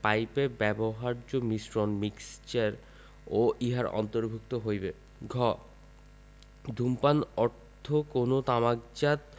পাইপে ব্যবহার্য মিশ্রণ মিক্সার ও ইহার অন্তর্ভুক্ত হইবে ঘ ধূমপান অর্থ কোন তামাকজাত